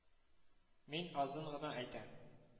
Мин азын гына әйтәм